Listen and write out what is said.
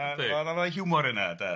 A ma'na hiwmor yna de.